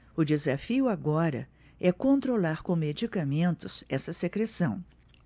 o desafio agora é controlar com medicamentos essa secreção